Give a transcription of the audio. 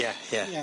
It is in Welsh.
Ie ie. Ie.